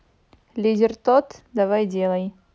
лидер тот давай делай